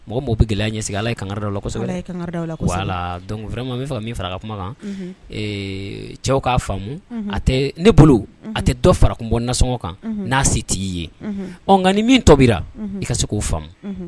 Mɔgɔ o mɔgɔ bɛ gɛlɛya ɲɛsigi Ala ye kangari da o la kɔsɛbɛ voila donc n bɛ fɛ ka min fara o kuma kan, ee cɛw k'a faamu a tɛ ne bolo a tɛ dɔ farakun bɔ nasɔngɔ kan n'a se t'i ye ɔ nka ni min tobira i ka se k'o faamu